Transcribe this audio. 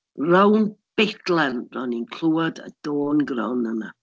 Rownd bedlan ro'n i'n clywed y dôn gron yna.